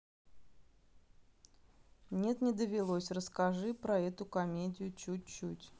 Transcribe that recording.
нет не довелось расскажи про эту комедию чуть чуть